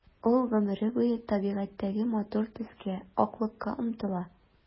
Ул гомере буе табигатьтәге матур төскә— аклыкка омтыла.